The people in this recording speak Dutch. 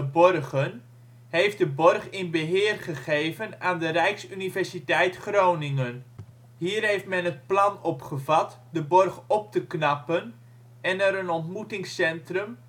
Borgen, heeft de borg in beheer gegeven aan de Rijksuniversiteit Groningen (RuG). Hier heeft men het plan opgevat de borg op te knappen en er een ontmoetingscentrum